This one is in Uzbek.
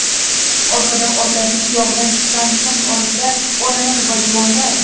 orqada otlarning tuyog'idan chiqqan chang orasida onalar va juvonlar